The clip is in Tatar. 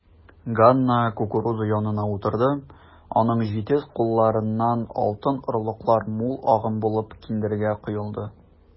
Ганна кукуруза янына утырды, аның җитез кулларыннан алтын орлыклар мул агым булып киндергә коелды.